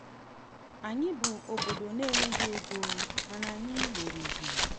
“Anyị bụ obodo na enweghị ego, mana anyị nwere ugwu.